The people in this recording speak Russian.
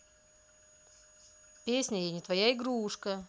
песня я не твоя игрушка